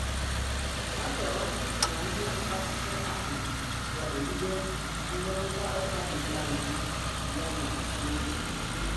Atọrọ na ndị mgbachite ahụ ga-ebido nrụrịta ikpeazụ ya na Sọnde.